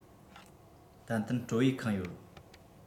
ཏན ཏན སྤྲོ བས ཁེངས ཡོད